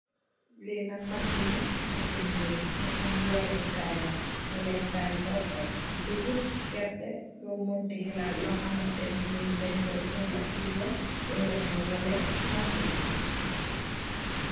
Li nak masin la, masini weñ. Masini walèè Kay la, walèè Kay mboku, dugup, gerteh lo manti xelat lo xamanteh yi nit yi dajj koy soxla purr wal lol la'ngë walèè.